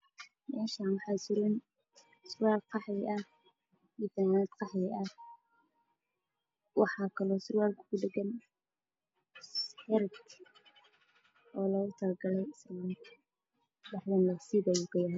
Meshaan waxaa yaalo labo surwaal mid madow ah iyo mid gaduud ah